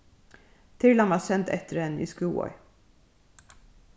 tyrlan varð send eftir henni í skúvoy